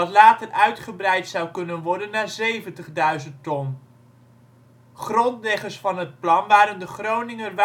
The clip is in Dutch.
later uitgebreid zou kunnen worden naar 70.000 ton. Grondleggers van het plan waren de Groninger